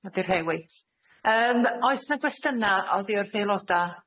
Ma' 'di rhewi. Yym oes 'na gwestyna oddi wrth aeloda'?